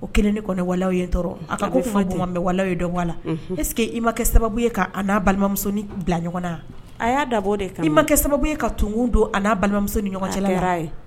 O kelen ne kɔni wa ye tɔɔrɔ a ka ko fa bɛwa ye dɔnwa eseke que i makɛ sababu ye' n'a balimamusosonin bila ɲɔgɔn na a y'a dabɔ de kan i makɛ sababu ye ka tunkun don a n'a balimamuso niyara ye